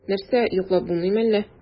Нәрсә, йоклап булмыймы әллә?